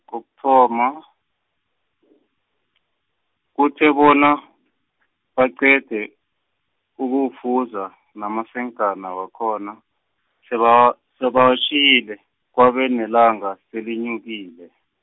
kokuthoma , kuthe bona , baqede, ukuwufuza namasenkana wakhona, sebawa- sebawatjhiyile, kwabe nelanga selenyukile.